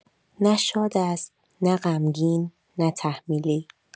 نه شاد است، نه غمگین، نه تحمیلی.